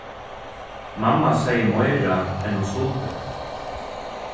mamma segði meira enn hon skuldi